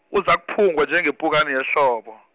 uzakuphungwa njengepukani yehlobo.